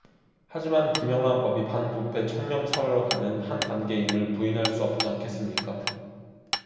하지만 김영란법이 반부패 청렴 사회로 가는 한 계단임을 부인할 수 없지 않겠습니까